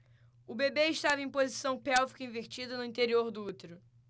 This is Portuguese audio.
o bebê estava em posição pélvica invertida no interior do útero